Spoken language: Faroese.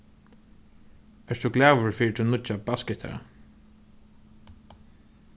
ert tú glaður fyri tín nýggja bassgittara